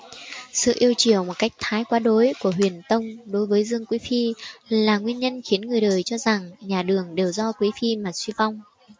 sự yêu chiều một cách thái quá đối của huyền tông đối với dương quý phi là nguyên nhân khiến người đời cho rằng nhà đường đều do quý phi mà suy vong